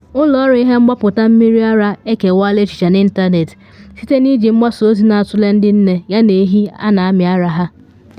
Ụlọ ọrụ ihe mgbapụta mmiri ara ekewaala echiche n’ịntanetị site na iji mgbasa ozi na atụle ndị nne yana ehi a na amị ara ha.